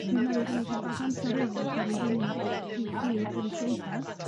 Dwi'n meddwl gynna ni chydig bach o amsar rŵan i agor 'i fyny i chi'r gynulleidfa.